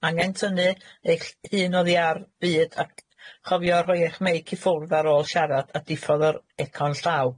Angen tynnu eich ll- hun oddi ar fud ac chofio rhoi eich meic i ffwrdd ar ôl siarad, a diffodd yr eicon llaw.